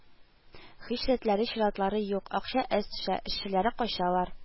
Һич рәтләре-чиратлары юк, акча әз төшә, эшчеләре качалар